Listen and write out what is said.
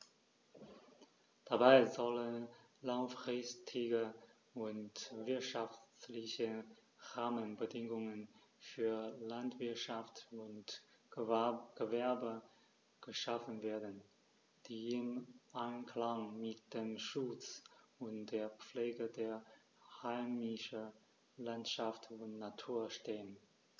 Dabei sollen langfristige und wirtschaftliche Rahmenbedingungen für Landwirtschaft und Gewerbe geschaffen werden, die im Einklang mit dem Schutz und der Pflege der heimischen Landschaft und Natur stehen.